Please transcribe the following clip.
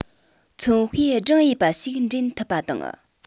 མཚོན དཔེ བགྲངས ཡས པ ཞིག འདྲེན ཐུབ པ དང